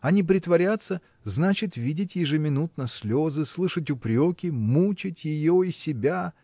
а не притворяться – значит видеть ежеминутно слезы слышать упреки мучить ее и себя.